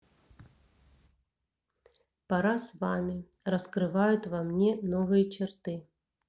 пора с вами раскрывают во мне новые черты